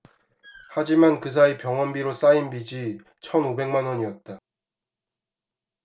하지만 그 사이 병원비로 쌓인 빚이 천 오백 만원이었다